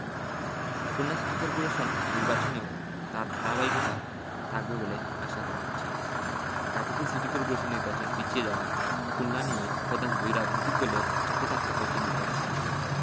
Khulna city corporation নির্বাচনেও তার ধারাবাহিকতা থাকবে বলে আশা করা হচ্ছে গাজীপুর সিটি করপোরেশন নির্বাচন পিছিয়ে যাওয়ায় খুলনা নিয়ে প্রধান দুই রাজনৈতিক দলের চাপে থাকতে হয়েছে নির্বাচন কমিশনকে